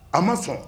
A ma sɔn